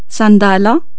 صاندالة